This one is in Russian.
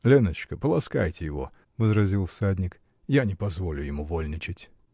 -- Леночка, поласкайте его, -- возразил всадник, -- я не позволю ему вольничать.